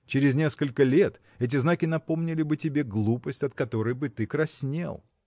Через несколько лет эти знаки напомнили бы тебе глупость от которой бы ты краснел.